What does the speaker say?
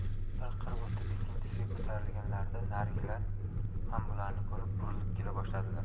bir qir o'tib ikkinchisiga ko'tarilganlarida narigilar ham bularni ko'rib burilib kela boshladilar